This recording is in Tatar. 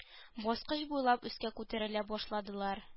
Баскыч буйлап өскә күтәрелә башладылар